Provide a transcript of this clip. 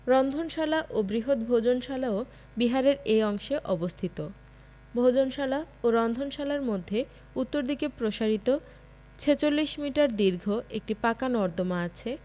রন্ধনশালা ও বৃহৎ ভোজনশালাও বিহারের এ অংশে অবস্থিত ভোজনশালা ও রন্ধনশালার মধ্যে উত্তরদিকে প্রসারিত ৪৬ মিটার দীর্ঘ একটি পাকা নর্দমা আছে